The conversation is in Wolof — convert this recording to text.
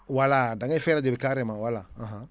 voilà da ngay fay rajo bi carrément voilà